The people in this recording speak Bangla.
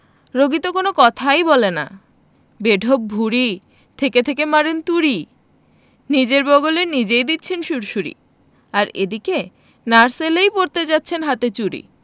রোগী কোন কথাই বলে না বেঢপ ভূঁড়ি থেকে থেকে মারেন তুড়ি নিজের বগলে নিজেই দিচ্ছেন সুড়সুড়ি আর এদিকে নার্স এলেই পরতে চাচ্ছেন হাতে চুড়ি